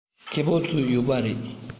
ཁེ སྤོགས ཚུད ཡོད པ རེད